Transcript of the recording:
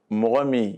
Mɔgɔ min